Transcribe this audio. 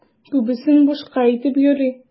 Күбесен бушка әйтеп йөри.